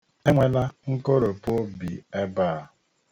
E nwela nkoropuobi ebe a.